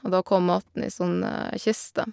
Og da kom maten i sånne kister.